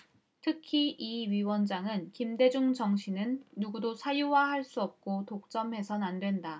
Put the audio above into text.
특히 이 위원장은 김대중 정신은 누구도 사유화 할 수 없고 독점해선 안 된다